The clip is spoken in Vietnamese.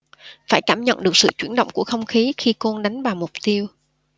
phải cảm nhận được sự chuyển động của không khí khi côn đánh vào mục tiêu